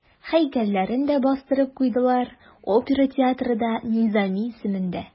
Һәйкәлләрен дә бастырып куйдылар, опера театры да Низами исемендә.